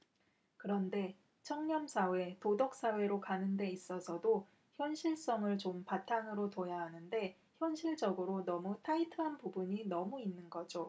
그런데 청렴사회 도덕사회로 가는 데 있어서도 현실성을 좀 바탕으로 둬야 하는데 현실적으로 너무 타이트한 부분이 너무 있는 거죠